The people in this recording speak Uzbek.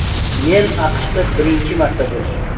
men aqshda birinchi marta bo'lishim